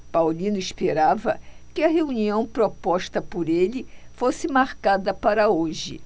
paulino esperava que a reunião proposta por ele fosse marcada para hoje